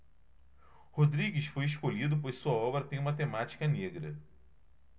rodrigues foi escolhido pois sua obra tem uma temática negra